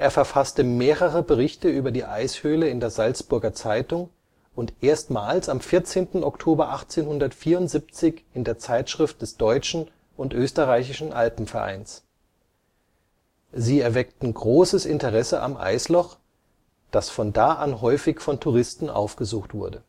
verfasste mehrere Berichte über die Eishöhle in der Salzburger Zeitung und erstmals am 14. Oktober 1874 in der Zeitschrift des Deutschen und Österreichischen Alpenvereins. Sie erweckten großes Interesse am Eisloch, das von da an häufig von Touristen aufgesucht wurde